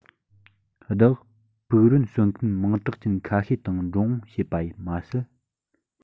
བདག ཕུག རོན གསོ མཁན མིང གྲགས ཅན ཁ ཤས དང འགྲོ འོངས བྱས པ མ ཟད